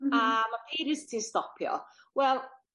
A ma' periods ti'n stopio. Wel,